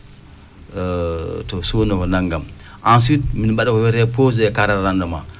to suuna o nanngam ensuite min mbaɗa ko wiyeree posé cadre rendement